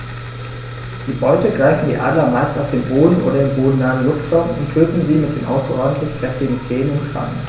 Die Beute greifen die Adler meist auf dem Boden oder im bodennahen Luftraum und töten sie mit den außerordentlich kräftigen Zehen und Krallen.